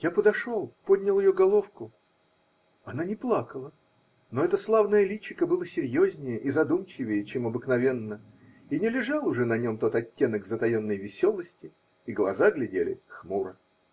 Я подошел, поднял ее головку -- она не плакала, но это славное личико было серьезнее и задумчивее, чем обыкновенно, и не лежал уже на нем тот оттенок затаенной веселости, и глаза глядели хмуро.